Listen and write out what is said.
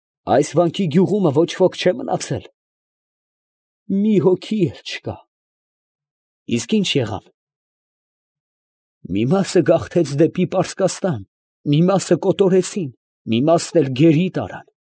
Այս վանքի գյուղումը ոչ ոք չէ՞ մնացել։ ֊ Մի հոգի էլ չկա։ ֊ Ի՞նչ եղան։ ֊ Մի մասը գաղթեց դեպի Պարսկաստան, մի մասը կոտորեցին, մի մասն էլ գերի տարան։ ֊